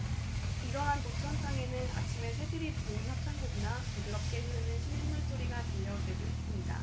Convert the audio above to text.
이러한 노천탕에는 아침에 새들이 부르는 합창곡이나 부드럽게 흐르는 시냇물 소리가 들려올 때도 있습니다